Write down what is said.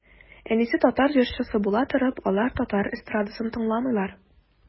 Әнисе татар җырчысы була торып, алар татар эстрадасын тыңламыйлар.